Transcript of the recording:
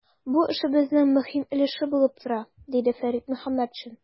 Бу эшебезнең мөһим өлеше булып тора, - диде Фәрит Мөхәммәтшин.